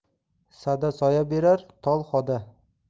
sada soya berar tol xoda